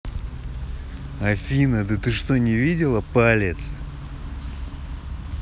афина да ты что не видела палец